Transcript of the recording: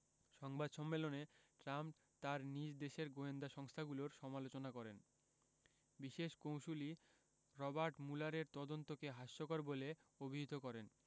সংবাদ সম্মেলনে ট্রাম্প তাঁর নিজ দেশের গোয়েন্দা সংস্থাগুলোর সমালোচনা করেন বিশেষ কৌঁসুলি রবার্ট ম্যুলারের তদন্তকে হাস্যকর বলে অভিহিত করেন